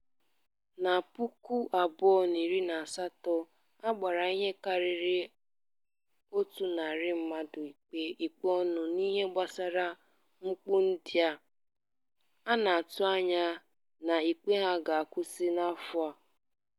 Na 2018, a gbara ihe karịrị otu narị mmadụ ikpe ọnụ n'ihe gbasara mpụ ndị a. A na-atụ anya na ikpe ha ga-akwụsị n'afọ a.